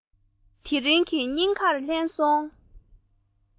དེ རང གི སྙིང གར ལྷན སོང